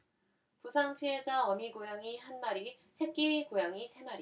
부상 피해자 어미 고양이 한 마리 새끼 고양이 세 마리